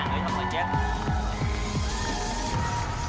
nhớ thêm